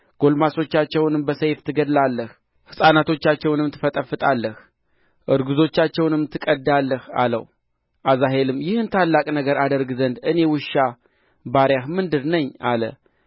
ጕልማሶቻቸውንም በሰይፍ ትገድላለህ ሕፃናቶቻቸውንም ትፈጠፍጣለህ እርጉዞቻቸውንም ትቀድዳለህ አለው አዛሄልም ይህን ታላቅ ነገር አደርግ ዘንድ እኔ ውሻ ባሪያህ ምንድር ነኝ አለ